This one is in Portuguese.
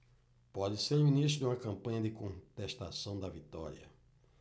pode ser o início de uma campanha de contestação da vitória